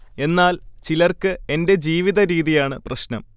എന്നാൽ ചിലർക്ക് എന്റെ ജീവിത രീതിയാണ് പ്രശ്നം